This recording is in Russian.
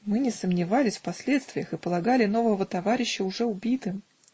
Мы не сомневались в последствиях и полагали нового товарища уже убитым.